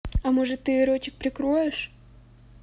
а может ты эротик прикроешь